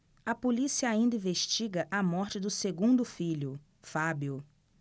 a polícia ainda investiga a morte do segundo filho fábio